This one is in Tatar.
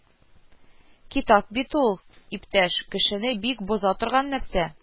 Китап бит ул, иптәш, кешене бик боза торган нәрсә